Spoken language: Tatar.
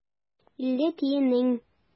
Илле тиеннән.